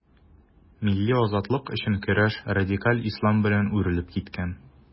Милли азатлык өчен көрәш радикаль ислам белән үрелеп киткән.